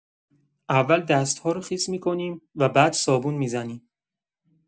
اول دست‌ها رو خیس می‌کنیم و بعد صابون می‌زنیم.